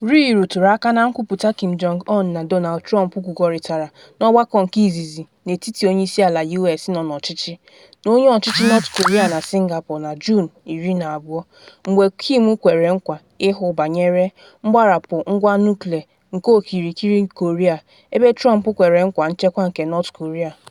Ri rụtụrụ aka na nkwuputa Kim Jong Un na Donald Trump kwukọrịtara na ọgbakọ nke izizi n’etiti onye isi ala U.S nọ n’ọchịchị na onye ọchịchị North Korea na Singapore na Juun 12, mgbe Kim kwere nkwa ịhụ banyere “mgbarapụ ngwa nuklịa nke okirikiri Korea” ebe Trump kwere nkwa nchekwa nke North Korea.